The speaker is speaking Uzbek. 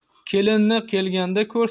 kelinni kelganda ko'r